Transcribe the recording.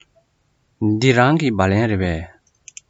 འདི རང གི སྦ ལན རེད པས